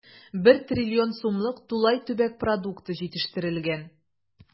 1 трлн сумлык тулай төбәк продукты җитештерелгән.